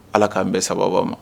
Ala k'an bɛn sababa ma.